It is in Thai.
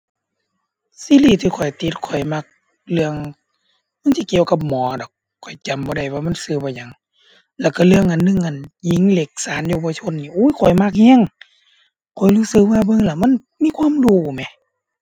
ซีรีส์ที่ข้อยติดข้อยมัก เรื่อง มันสิเกี่ยวกับหมอดอก ข้อยจำบ่ได้ว่ามันชื่อว่าหยัง แล้วชื่อเรื่องอันหนึ่ง อั่น หญิงเหล็กศาลเยาวชนนี่ อู๊ย ข้อยมักชื่อ ข้อยรู้ว่าเบิ่งแล้วมัน มีความรู้แหม